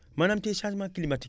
maanaam tey changement climatique